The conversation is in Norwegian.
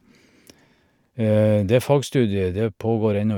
Det fagstudiet, det pågår ennå.